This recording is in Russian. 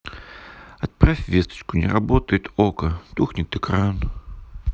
отправь весточку не работает okko тухнет экран